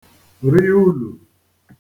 ri ulù